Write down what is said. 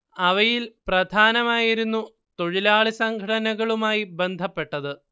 അവയിൽ പ്രധാനമായിരുന്നു തൊഴിലാളി സംഘടനകളുമായി ബന്ധപ്പെട്ടത്